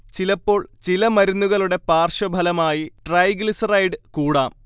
ചിലപ്പോൾ ചില മരുന്നുകളുടെ പാർശ്വഫലമായി ട്രൈഗ്ലിസറൈഡ് കൂടാം